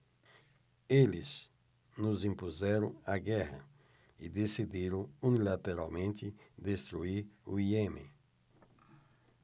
eles nos impuseram a guerra e decidiram unilateralmente destruir o iêmen